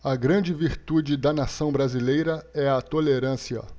a grande virtude da nação brasileira é a tolerância